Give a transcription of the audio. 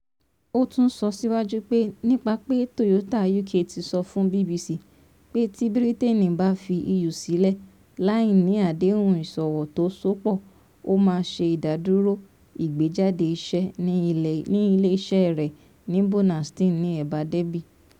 Ótún sọ síwájú pé “nípa” pé Toyota UK ti sọ fún BBC pé tí Bírítéénì bá fi EU sílẹ̀ láì ní àdéhùn ìsòwò tó só pọ̀, ó máa ṣe ìdádúró ìgbéjáde-iṣẹ̀ ní ilé iṣẹ́ rẹ̀ ní Burnaston, ní ẹ̀bá Derby.